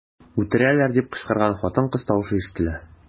"үтерәләр” дип кычкырган хатын-кыз тавышы ишетелә.